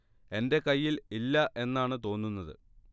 എന്റെ കയ്യിൽ ഇല്ല എന്നാണ് തോന്നുന്നത്